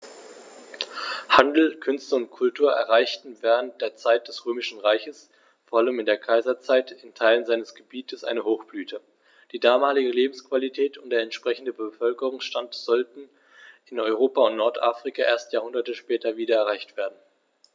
Handel, Künste und Kultur erreichten während der Zeit des Römischen Reiches, vor allem in der Kaiserzeit, in Teilen seines Gebietes eine Hochblüte, die damalige Lebensqualität und der entsprechende Bevölkerungsstand sollten in Europa und Nordafrika erst Jahrhunderte später wieder erreicht werden.